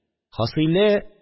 Хасыйле